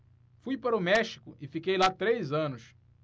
fui para o méxico e fiquei lá três anos